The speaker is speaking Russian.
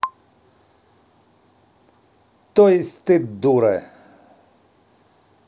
то есть ты дура